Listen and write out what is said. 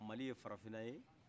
mali ye farafinna ye